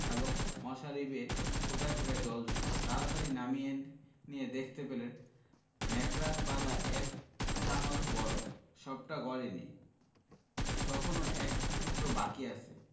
এবং মশারি বেয়ে ফোঁটা ফোঁটা জল ঝরছে তাড়াতাড়ি নামিয়ে নিয়ে দেখতে পেলেন ন্যাকড়ায় বাঁধা এক চাঙড় বরফ সবটা গলেনি তখনও এক টুকরো বাকি আছে